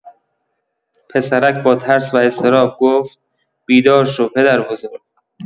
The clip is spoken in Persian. پسرک با ترس و اضطراب گفت: «بیدار شو پدربزرگ.»